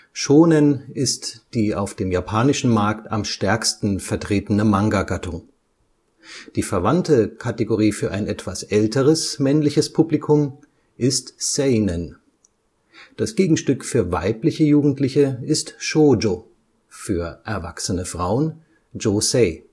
Shōnen ist die auf dem japanischen Markt am stärksten vertretene Manga-Gattung. Die verwandte Kategorie für ein etwas älteres männliches Publikum ist Seinen. Das Gegenstück für weibliche Jugendliche ist Shōjo, für erwachsene Frauen Josei